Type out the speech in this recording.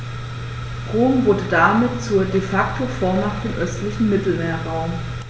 Rom wurde damit zur ‚De-Facto-Vormacht‘ im östlichen Mittelmeerraum.